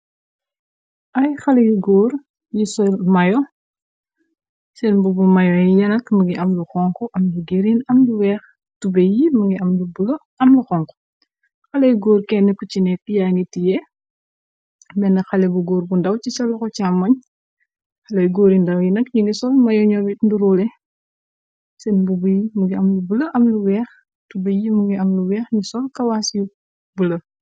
Ay xaley góor yi sol mayo, seen bubbu mayoy yenak mingi am lu xonk, am lu géreen, am lu weex, tube yi mungi m b am lu xonk, xalay góor kenn ku ci nek piyaa ngi tiyee menn, xale bu góor bu ndaw ci saloxo càmmoñ, xaley góor yi ndaw yi nag yi ngi sol mayo, ñoobi nduróole seen bubu, mu ngi am lu bula, am lu weex, tube yi mu ngi am lu weex, ñi sol kawaas yu bulë.